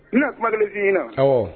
I na kuma min d in na